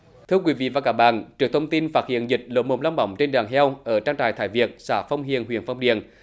thưa quý vị và các bạn trước thông tin phát hiện dịch lở mồm long móng trên đàn heo ở trang trại thái việt xã phong hiền huyện phong điền